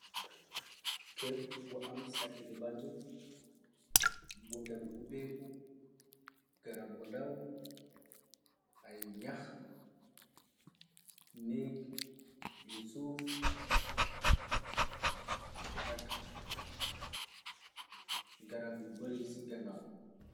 Kërr bu am saketi bante bunte bu ubeeku garab bu ndaw ay ñax neeg yu suuf ak garab yu bari ci ganaaw.